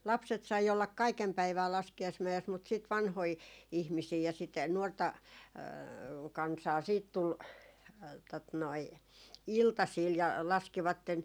lapset sai olla kaiken päivää laskiaismäessä mutta sitten vanhoja ihmisiä ja sitä nuorta kansaa sitten tuli tuota noin iltasilla ja laskivat